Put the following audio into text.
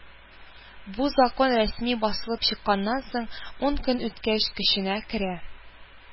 Бу Закон рәсми басылып чыкканнан соң ун көн үткәч көченә керә